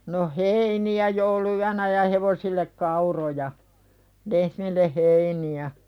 no heiniä jouluyönä ja hevosille kauroja lehmille heiniä